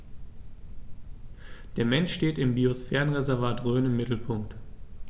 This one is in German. Der Mensch steht im Biosphärenreservat Rhön im Mittelpunkt.